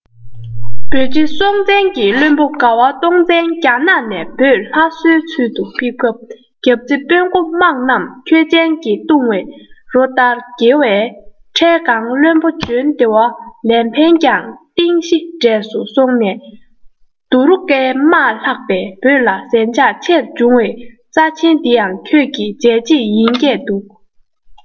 བོད རྗེ སྲོང བཙན གྱི བློན པོ མགར བ སྟོང བཙན རྒྱ ནག ནས བོད ལྷ གསོལ ཚུལ ལ ཕེབས སྐབས རྒྱབ རྫི དཔོན འགོ དམངས རྣམས ཁྱོད ཅན གྱི བཏུང བས རོ ལྟར འགྱེལ བས འཕྲལ སྒང བློན པོ བྱོན བདེ བ ལན ཕན ཀྱང རྟིང ཞེ འགྲས སུ སོང ནས དུ རུ ཀའི དམག ལྷགས པས བོད ལ ཟན རྒྱག ཆེར བྱུང བའི རྩ རྐྱེན དེའང ཁྱོད ཀྱི བྱས རྗེས ཡིན སྐད འདུག